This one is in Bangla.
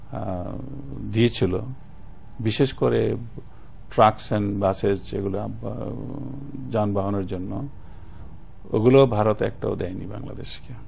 দিয়েছিল বিশেষ করে ট্রাকস এন্ড বাসেস যেগুলা যানবাহনের জন্য ওগুলো ভারত একটাও দেয়নি বাংলাদেশকে